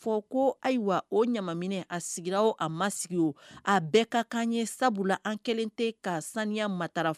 Fɔ ko ayiwa o ɲamaminɛ a sigi la o ma sigi o a bɛɛ ka kan n ye sabula an kɛlen tɛ ka sanuya matarafa.